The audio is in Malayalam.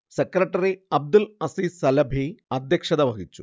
സെക്രട്ടറി അബ്ദുൽ അസീസ് സലഫി അധ്യക്ഷത വഹിച്ചു